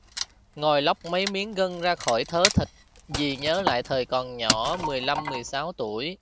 ngồi lóc mấy miếng gân ra khỏi thớ thịt dì nhớ lại thời còn nhỏ mười lăm mười sáu tuổi